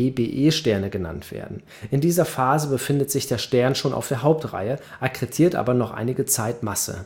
Herbig-Ae/Be-Sterne genannt werden. In dieser Phase befindet sich der Stern schon auf der Hauptreihe, akkretiert aber noch einige Zeit Masse